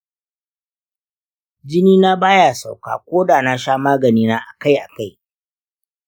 jini na baya sauka ko da na sha magani na akai akai.